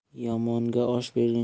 yomonga osh berguncha